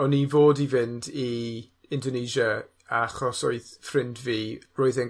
O'n i fod i fynd i Indonesia, achos oedd ffrind fi, roedd e'n